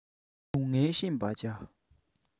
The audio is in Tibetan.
སྡུག བསྔལ ཤེས པར བྱ